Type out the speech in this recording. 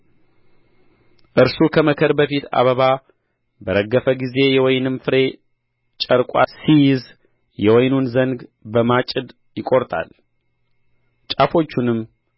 እርሱ ከመከር በፊት አበባ በረገፈ ጊዜ የወይንም ፍሬ ጨርቋ ሲይዝ የወይኑን ዘንግ በማጭድ ይቆርጣል ጫፎቹንም